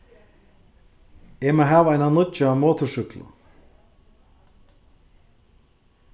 eg má hava eina nýggja motorsúkklu